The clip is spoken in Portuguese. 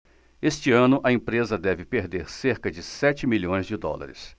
este ano a empresa deve perder cerca de sete milhões de dólares